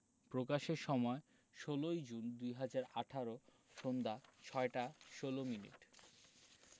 প্রকাশের সময় ১৬জুন ২০১৮ সন্ধ্যা ৬টা ১৬ মিনিট